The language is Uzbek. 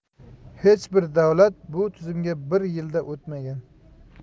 hech bir davlat bu tizimga bir yilda o'tmagan